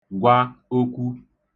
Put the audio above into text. gwa okwu